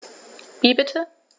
Wie bitte?